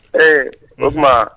Ee , okuma?